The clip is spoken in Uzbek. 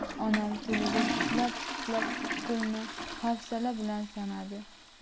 onam qo'liga tuflab tuflab pulni hafsala bilan sanadi